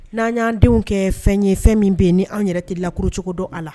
N'an y'an denw kɛ fɛn ye fɛn min bɛ ni an yɛrɛ tɛ lak cogo don a la